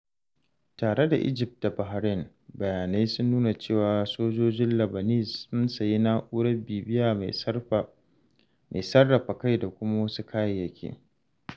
Tare da Egypt da Bahrain, bayanai sun nuna cewa, Sojojin Labanese sun sayi Na'urar Bibiya Mai Sarrafa Kai da kuma wasu kayayyaki.